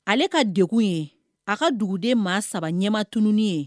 Ale ka dekun ye a ka duguden maa saba ɲɛmaatununi ye